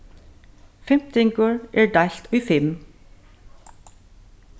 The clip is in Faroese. fimtingur er deilt í fimm